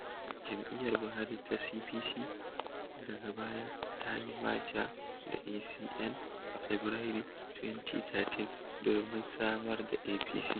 Jam'iyyar Buhari ta CPC daga baya ta yi maja da ACN, a Fabarairun 2013, domin samar da APC.